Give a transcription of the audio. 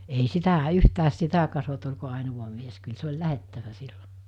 ei sitä yhtään sitä katsottu oliko ainoa mies kyllä se oli lähdettävä silloin